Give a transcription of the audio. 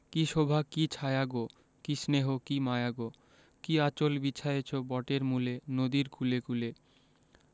কী শোভা কী ছায়া গো কী স্নেহ কী মায়া গো কী আঁচল বিছায়েছ বটের মূলে নদীর কূলে কূলে